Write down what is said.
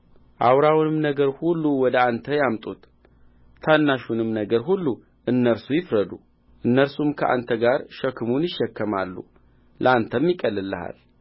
አውራውን ነገር ሁሉ ወደ አንተ ያምጡት ታናሹንም ነገር ሁሉ እነርሱ ይፍረዱ እነርሱም ከአንተ ጋር ሸክሙን ይሸከማሉ ለአንተም ይቀልልልሃል